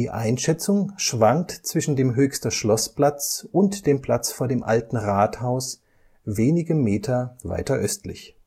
Einschätzung schwankt zwischen dem Höchster Schloßplatz und dem Platz vor dem Alten Rathaus wenige Meter weiter östlich